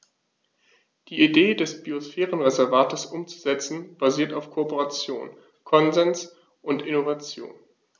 Die Idee des Biosphärenreservates umzusetzen, basiert auf Kooperation, Konsens und Innovation.